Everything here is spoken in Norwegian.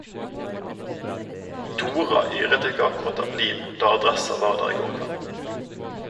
Dora yret ikke akkurat av liv da adressa var der i går kveld.